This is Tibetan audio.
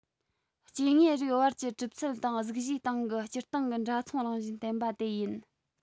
སྐྱེ དངོས རིགས བར ཀྱི གྲུབ ཚུལ དང གཟུགས གཞིའི སྟེང གི སྤྱིར བཏང གི འདྲ མཚུངས རང བཞིན བསྟན པ དེ ཡིན